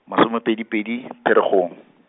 masomepedi pedi, Pherekgong.